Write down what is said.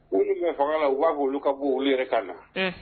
Minnu bɛ fanga la u b'a fɛ olu ka bɔ yen yolu yɛrɛ ka na, unhun.